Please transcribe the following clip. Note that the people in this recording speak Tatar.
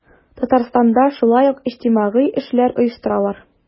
Татарстанда шулай ук иҗтимагый эшләр оештыралар.